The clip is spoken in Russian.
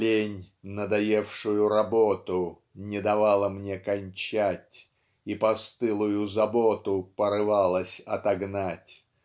Лень надоевшую работу Не давала мне кончать И постылую заботу Порывалась отогнать.